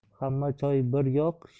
hamma choy bir yoq